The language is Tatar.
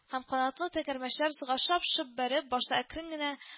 Һәм канатлы тәгәрмәчләр, суга шап-шоп бәреп, башта әкрен генә